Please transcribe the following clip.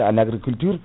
en agriculture